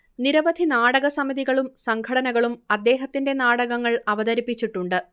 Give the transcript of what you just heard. നിരവധി നാടക സമിതികളും സംഘടനകളും അദ്ദേഹത്തിന്റെ നാടകങ്ങൾ അവതരിപ്പിച്ചിട്ടുണ്ട്